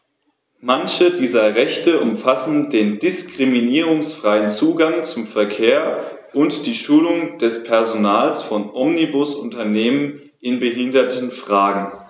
Manche dieser Rechte umfassen den diskriminierungsfreien Zugang zum Verkehr und die Schulung des Personals von Omnibusunternehmen in Behindertenfragen.